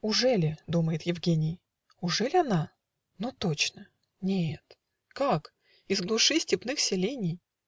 "Ужели, - думает Евгений: - Ужель она? Но точно. Нет. Как! из глуши степных селений.